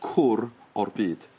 cwr o'r byd.